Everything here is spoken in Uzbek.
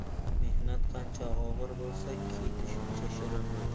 mehnat qancha og'ir bo'lsa keti shuncha shirin bo'lar